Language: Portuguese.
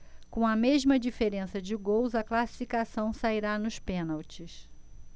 com a mesma diferença de gols a classificação sairá nos pênaltis